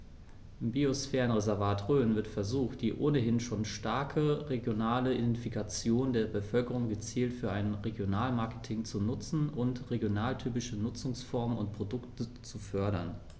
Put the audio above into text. Im Biosphärenreservat Rhön wird versucht, die ohnehin schon starke regionale Identifikation der Bevölkerung gezielt für ein Regionalmarketing zu nutzen und regionaltypische Nutzungsformen und Produkte zu fördern.